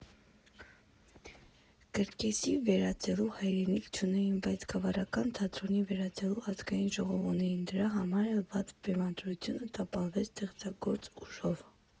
Կրկեսի վերածելու հայրենիք չունեին, բայց գավառական թատրոնի վերածելու Ազգային ժողով ունեին, դրա համար էլ վատ բեմադրությունը տապալվեց ստեղծագործ ուժով…